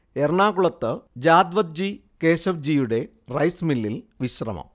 എറണാകുളത്ത് ജദാവ്ജി കേശവ്ജിയുടെ റൈസ് മില്ലിൽ വിശ്രമം